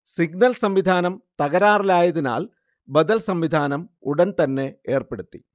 signal സംവിധാനം തകരാറിലായതിനാൽ ബദൽ സംവിധാനം ഉടൻ തന്നെ ഏർപ്പെടുത്തി